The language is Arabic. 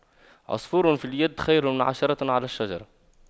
عصفور في اليد خير من عشرة على الشجرة